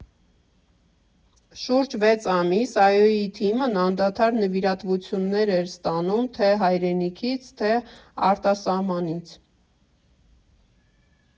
Շուրջ վեց ամիս ԱՅՈ֊ի թիմն անդադար նվիրատվություններ էր ստանում թե՛ հայրենիքից, թե՛ արտասահմանից։